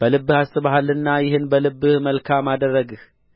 በልብህ አስበሃልና ይህን በልብህ መልካም አደረግህ